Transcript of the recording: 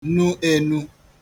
nu ēnū